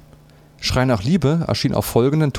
Schrei nach Liebe “erschien auf folgenden